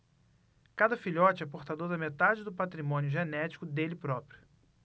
cada filhote é portador da metade do patrimônio genético dele próprio